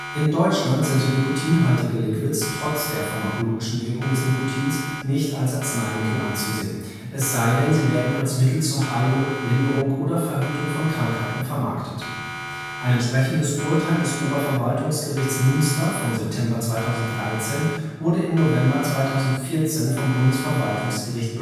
In Deutschland sind nikotinhaltige Liquids trotz der pharmakologischen Wirkung des Nikotins nicht als Arzneimittel anzusehen, es sei denn sie werden als Mittel zur Heilung, Linderung oder Verhütung von Krankheiten vermarktet („ präsentiert “). Ein entsprechendes Urteil des Oberverwaltungsgerichts Münster vom September 2013 wurde im November 2014 vom Bundesverwaltungsgericht